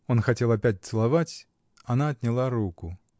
Он хотел опять целовать, она отняла руку.